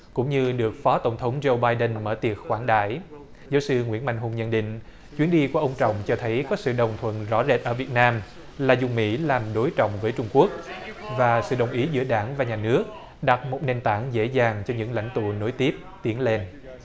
cũng như được phó tổng thống giâu bai đưn mở tiệc khoản đãi giáo sư nguyễn mạnh hùng nhận định chuyến đi của ông trọng cho thấy có sự đồng thuận rõ rệt ở việt nam là dùng mỹ làm đối trọng với trung quốc và sự đồng ý giữa đảng và nhà nước đặt một nền tảng dễ dàng cho những lãnh tụ nối tiếp tiến lên